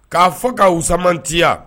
K'a fɔ k' u camantiya